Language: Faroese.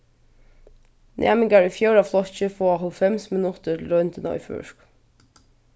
næmingar í fjórða flokki fáa hálvfems minuttir til royndina í føroyskum